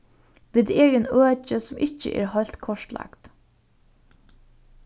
vit eru í einum øki sum ikki er heilt kortlagt